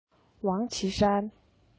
ཝང ཆི ཧྲན